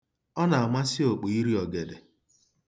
Ọ na-amasị okpo iri ogede.